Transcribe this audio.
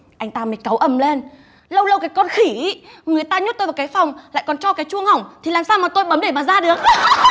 anh ta mới cáu ầm lên lâu lâu cái con khỉ người ta nhốt tôi vào cái phòng lại còn cho cái chuông hỏng thì làm sao mà tôi bấm để mà ra được